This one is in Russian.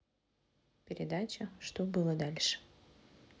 передача что было дальше